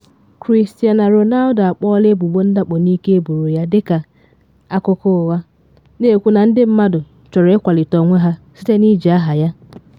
Cristiano Ronaldo akpọọla ebubo ndakpo n’ike eboro ya dịka “akụkọ ụgha,” na-ekwu na ndị mmadụ “chọrọ ịkwalite onwe ha” site na iji aha ya.